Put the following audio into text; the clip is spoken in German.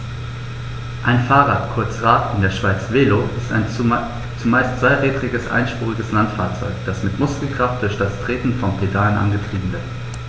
Ein Fahrrad, kurz Rad, in der Schweiz Velo, ist ein zumeist zweirädriges einspuriges Landfahrzeug, das mit Muskelkraft durch das Treten von Pedalen angetrieben wird.